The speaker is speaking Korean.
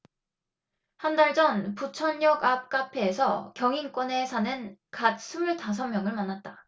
한 달 전 부천역 앞 카페에서 경인권에 사는 갓 스물 다섯 명을 만났다